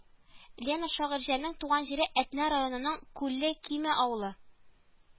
Лена Шагыйрьҗанның Туган җире Әтнә районының Күлле Киме авылы